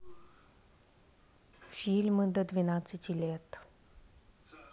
фильмы до двенадцати лет